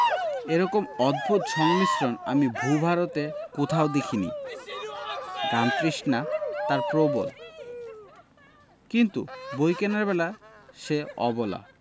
এরকম অদ্ভুত সংমিশ্রণ আমি ভূ ভারতে কোথাও দেখি নি জ্ঞানতৃষ্ণা তার প্রবল কিন্তু বই কেনার বেলা সে অবলা